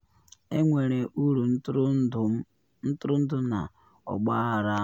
Enwere uru ntụrụndụ n’ọgbaghara ahụ.